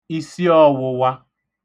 isiọ̄wụ̄wā